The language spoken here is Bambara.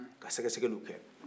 ka sɛgɛsɛgɛliw kɛ